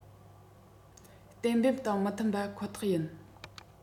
གཏན འབེབས དང མི མཐུན པ ཁོ ཐག ཡིན